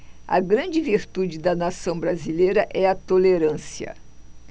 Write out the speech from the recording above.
a grande virtude da nação brasileira é a tolerância